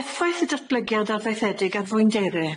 Effaith y datblygiad adfeithiedig ar fwyndere.